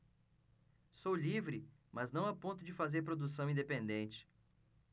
sou livre mas não a ponto de fazer produção independente